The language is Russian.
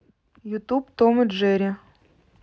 ютуб том и джери